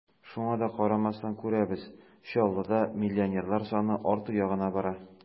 Шуңа да карамастан, күрәбез: Чаллыда миллионерлар саны арту ягына бара.